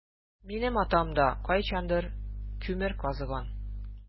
Минем атам да кайчандыр күмер казыган.